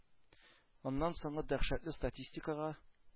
Аннан соңгы дәһшәтле статистикага,